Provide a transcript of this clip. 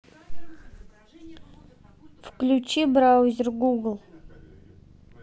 включи браузер google